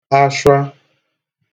ashwa